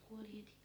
kuoli heti